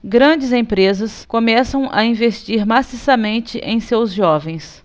grandes empresas começam a investir maciçamente em seus jovens